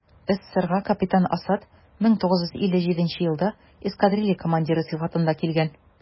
СССРга капитан Асад 1957 елда эскадрилья командиры сыйфатында килгән.